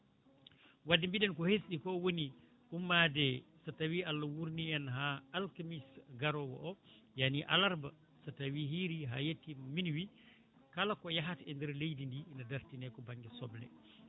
wadde mbiɗen ko hesɗi fo woni ummade so tawi Allah wurni en ha alkamisa garowo o yaani alarba so tawi hiiri ha yettimi minuit kala ko yaahata e nder leydi ndi ne dartine ko banggue soble